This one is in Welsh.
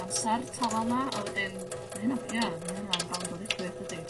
amsar tawal 'ma a weden ma' hynna ia ma' hynna yn bownd o ddigwydd dydi?